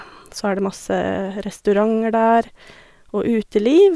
Så er det masse restauranter der, og uteliv.